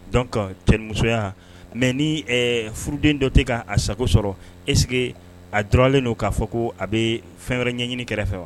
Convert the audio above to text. Don cɛmusoya mɛ ni furuden dɔ tɛ ka a sago sɔrɔ ese a dɔrɔnleno k'a fɔ ko a bɛ fɛn wɛrɛ ɲɛɲini kɛrɛfɛ fɛ wa